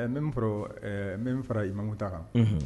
Bɛ fara i manku ta kan